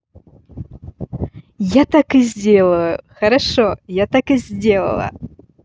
я так и сделаю хорошо я так и сделала